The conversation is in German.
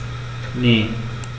Ne.